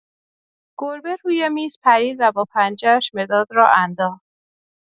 گربه روی میز پرید و با پنجه‌اش مداد را انداخت.